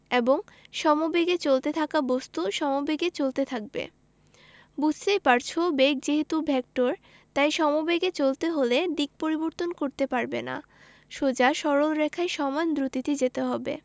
এবং সমেবেগে চলতে থাকা বস্তু সমেবেগে চলতে থাকবে বুঝতেই পারছ বেগ যেহেতু ভেক্টর তাই সমবেগে চলতে হলে দিক পরিবর্তন করতে পারবে না সোজা সরল রেখায় সমান দ্রুতিতে যেতে হবে